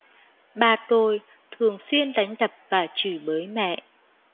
ba tôi thường xuyên đánh đập và chửi bới mẹ